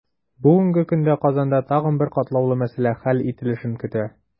Бүгенге көндә Казанда тагын бер катлаулы мәсьәлә хәл ителешен көтә.